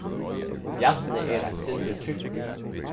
bjarni er eitt sindur tjúkkur